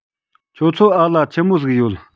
ཁྱོད ཚོ འ ལ ལོ ཆི མོ ཟིག ཡོད